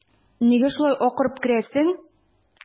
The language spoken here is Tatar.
Нигә шулай акырып керәсең?